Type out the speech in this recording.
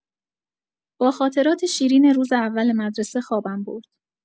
با خاطرات شیرین روز اول مدرسه خوابم برد.